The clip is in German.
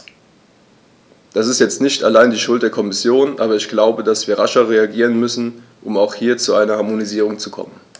Das ist jetzt nicht allein die Schuld der Kommission, aber ich glaube, dass wir rascher reagieren müssen, um hier auch zu einer Harmonisierung zu kommen.